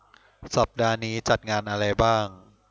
สัปดาห์นี้จัดงานอะไรบ้าง